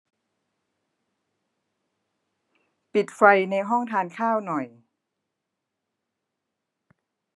ปิดไฟในห้องทานข้าวหน่อย